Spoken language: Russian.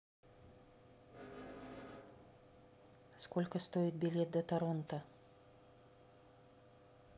сколько стоит билет до торонто